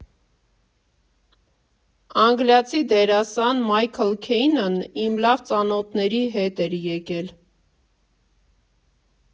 Անգլիացի դերասան Մայքլ Քեյնն իմ լավ ծանոթների հետ էր եկել։